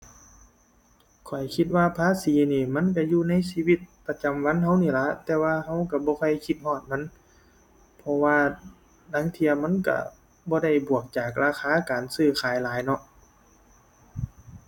ข้อยคิดว่าภาษีนี่มันก็อยู่ในชีวิตประจำวันก็นี้ล่ะ แต่ว่าก็ก็บ่ค่อยคิดฮอดมัน เพราะว่าลางเที่ยมันก็บ่ได้บวกจากราคาการซื้อขายหลายเนาะ